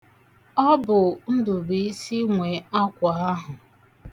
Ọ bụ Ndụbiisi nwe akwa ahụ.